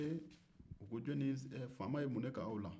ee u ko jɔnni ye faama ye mun de k'aw la